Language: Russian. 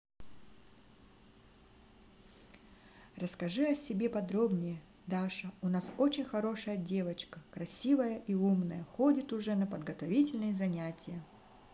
расскажи о себе подробнее даша у нас очень хорошая девочка красивая и умная ходит уже на подготовительные занятия